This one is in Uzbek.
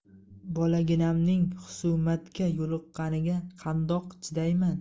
bolaginamning xusumatga yo'liqqaniga qandoq chidayman